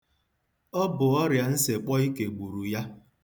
Ọ bụ ọrịansekpọike gburu ya.